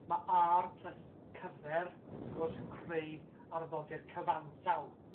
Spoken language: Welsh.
Ma' ar plus cyfer w'th gwrs yn creu arddodiad cyfansawdd.